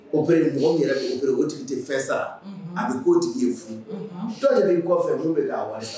O bɛ mɔgɔ yɛrɛ bɛ o o tigi ten fɛnsa a bɛ'o tigi furu de b bɛi kɔfɛ min bɛ a wari